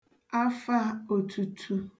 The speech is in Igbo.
afā ōtutu